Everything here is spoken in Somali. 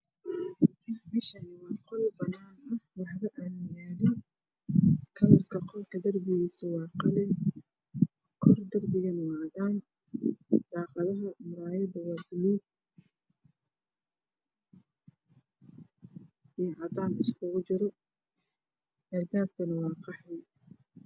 Meshani waa qol banan ah waxba aane yalin kalarka qolka darbigisa waa qalin kor darbigana waa cadan daqadaha murayadana waa bulugu iyo cadan iskugu jira albabaka neh waa qaxwe